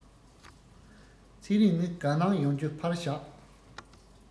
ཚེ རིང ནི དགའ སྣང ཡོང རྒྱུ ཕར བཞག